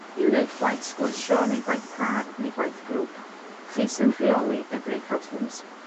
i wneud gwaith sgwrsio neu gwaith pâr neu gwaith grŵp. Chi sy'n rheoli y Brakeout Rooms.